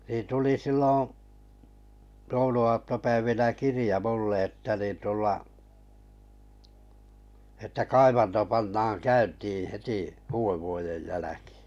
niin tuli silloin jouluaattopäivinä kirja minulle että niin tulla että kaivanto pannaan käyntiin heti uudenvuoden jälkeen